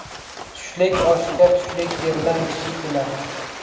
tushlik oshga tushlik yerdan kishi kelar